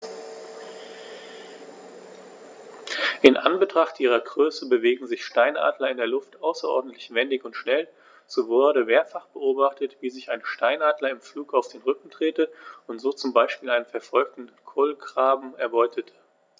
In Anbetracht ihrer Größe bewegen sich Steinadler in der Luft außerordentlich wendig und schnell, so wurde mehrfach beobachtet, wie sich ein Steinadler im Flug auf den Rücken drehte und so zum Beispiel einen verfolgenden Kolkraben erbeutete.